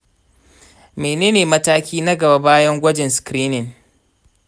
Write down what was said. mene ne mataki na gaba bayan gwajin screening?